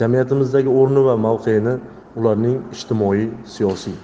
jamiyatimizdagi o'rni va mavqeini ularning ijtimoiy siyosiy